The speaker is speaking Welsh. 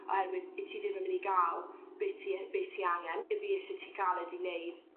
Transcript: oherwydd 'yt ti ddim yn myn' i ga'l be' ti yy be' ti angen 'yf fi isie ti ca'l e 'di neud